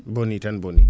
boni tan boni